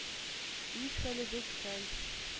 Үз хәлебез хәл.